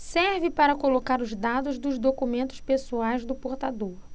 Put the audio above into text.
serve para colocar os dados dos documentos pessoais do portador